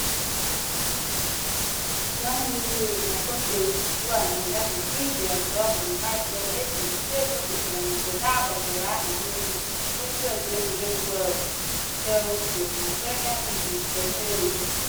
Mmadụ abụọ na-ewu ewu na Côte d'Ivoire na Ghana, Didier Drogba na Michael Essien (ndị e gosịpụtara na foto a kpọtụrụ aha n'elu) bụ ndị òtù egwuregwu bọọlụ Chelsea n'English Premier League.